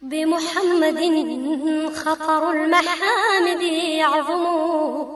Denmumugɛnintangɛninyanugu